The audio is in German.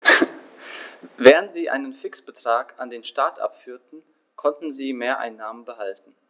Während sie einen Fixbetrag an den Staat abführten, konnten sie Mehreinnahmen behalten.